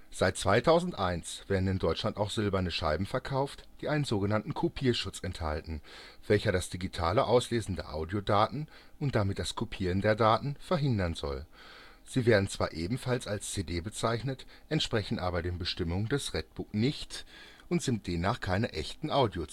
Seit 2001 werden in Deutschland auch silberne Scheiben verkauft, die einen so genannten „ Kopierschutz “enthalten, welcher das digitale Auslesen der Audiodaten (und damit das Kopieren der Daten) verhindern soll. Sie werden zwar ebenfalls als CD bezeichnet, entsprechen aber den Bestimmungen des Red Book nicht und sind demnach keine echten Audio-CDs